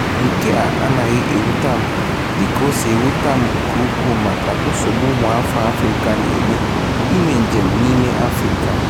Nke a anaghị ewute m dịka o si ewute m nke ukwuu maka nsogbu ụmụafọ Afrịka na-enwe ime njem n'ime Afrịka.